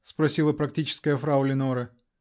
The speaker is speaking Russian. -- спросила практическая фрау Леноре.